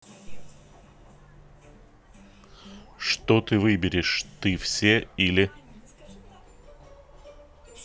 что ты выберешь ты все или